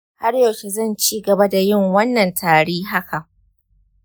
har yaushe zan ci gaba da yin wannan tari haka?